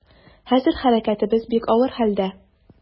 Хәзер хәрәкәтебез бик авыр хәлдә.